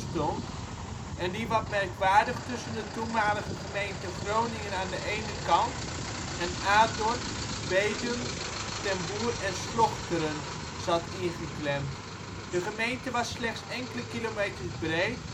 stond, en die wat merkwaardig tussen de toenmalige gemeenten Groningen aan de ene kant en Adorp, Bedum, Ten Boer en Slochteren zat ingeklemd. De gemeente was slechts enkele kilometers breed